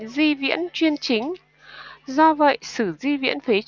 di viễn chuyên chính do vậy sử di viễn phế